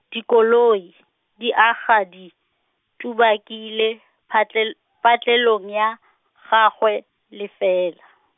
dikoloi, di aga di, tubakile, phatlel-, patlelong ya, gagwe, lefela.